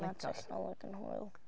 Ma' technoleg yn hwyl.